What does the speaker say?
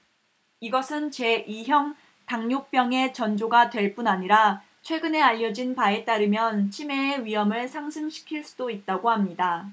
이것은 제 이 형 당뇨병의 전조가 될 뿐 아니라 최근에 알려진 바에 따르면 치매의 위험을 상승시킬 수도 있다고 합니다